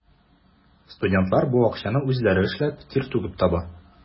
Студентлар бу акчаны үзләре эшләп, тир түгеп таба.